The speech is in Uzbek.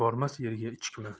bormas yerga ichikma